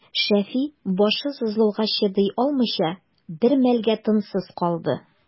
Шәфи, башы сызлауга чыдый алмыйча, бер мәлгә тынсыз калды.